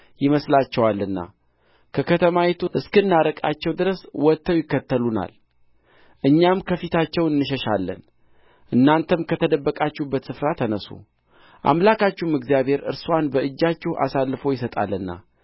ይመስላቸዋልና ከከተማይቱ እስክናርቃቸው ድረስ ወጥተው ይከተሉናል እኛም ከፊታቸው እንሸሻለን እናንተም ከተደበቃችሁበት ስፍራ ተነሡ አምላካችሁም እግዚአብሔር እርስዋን በእጃችሁ አሳልፎ ይሰጣልና